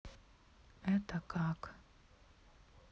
это как